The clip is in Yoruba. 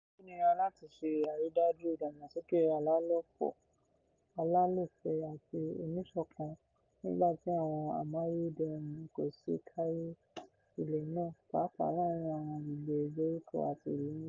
Ó nira láti ṣe àrídájú ìdàgbàsókè alálòpẹ́ àti oníṣọ̀kan nígbà tí àwọn amáyédẹrùn kò ṣì kárí ilẹ̀ náà, pàápàá láàárín àwọn agbègbè ìgbèríko àti ìlú ńlá.